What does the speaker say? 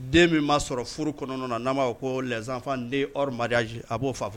Den min man sɔrɔ furu kɔnɔna na n'an b'a fɔ les enfants nés hors mariage a b'o